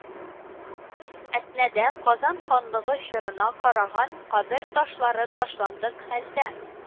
Әтнәдә Казан ханлыгы чорына караган кабер ташлары ташландык хәлдә